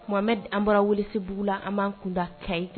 Mohamɛdi an bɔra Wolesebugu la, an b'an kunda kayɛ